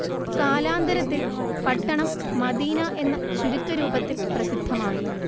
കാലാന്തരത്തിൽ പട്ടണം മദീന എന്ന ചുരുക്കരൂപത്തിൽ പ്രസിദ്ധമായി